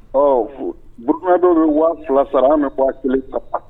Ɔ fo bkina dɔw bɛ waa fila sara an mɛn ko a kelen pa